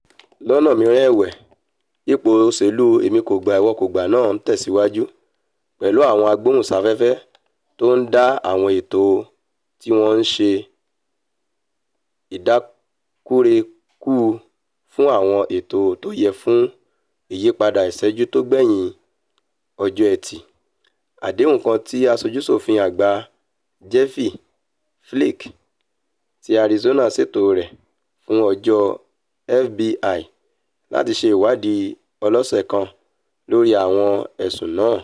Lọ́nà mìíràn ẹ̀wẹ̀, ipò òṣèlú èmikògbà-ìwọkògbà náà tẹ̀síwájú, pẹ̀lú àwọn agbóhùnsáfẹ́fẹ́ tó ńd á àwọn èto tíwọn ńṣe ìdákúrekú fún àwọn ètò tóyẹ fún ìyípadà ìṣẹ́jú tógbẹ̀yìn ọjọ́ Ẹtì: àdéhùn kan tí Aṣojú-ṣòfin Àgbà Jeff Flake ti Arizona ṣètò rẹ̀ fún àjọ FBI láti ṣe ìwáàdí ọlọ́sẹ̀ kan lórí àwọn ẹ̀sùn náà.